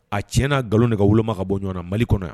A cɛ' nkalon nɛgɛ ka woloma ka bɔ ɲɔgɔn mali kɔnɔ yan